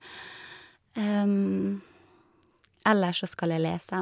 Ellers så skal jeg lese.